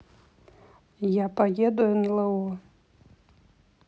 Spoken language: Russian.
я поеду нло